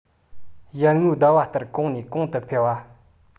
ཡར ངོའི ཟླ བ ལྟར གོང ནས གོང དུ འཕེལ བ